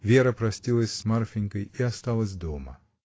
Вера простилась с Марфинькой и осталась дома.